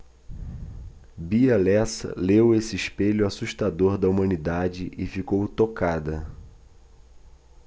bia lessa leu esse espelho assustador da humanidade e ficou tocada